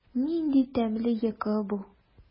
Нинди тәмле йокы бу!